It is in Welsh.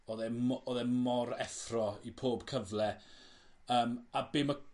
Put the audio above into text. odd e mo- odd e mor effro i pob cyfle. Yym a be ma'